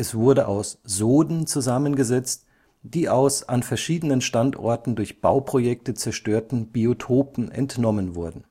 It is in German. wurde aus Soden zusammengesetzt, die aus an verschiedenen Standorten durch Bauprojekte zerstörten Biotopen entnommen wurden